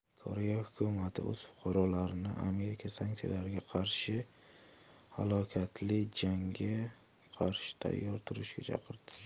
korea hukumati o'z fuqarolarini amerika sanksiyalariga qarshi halokatli jangga qarshi tayyor turishga chaqirdi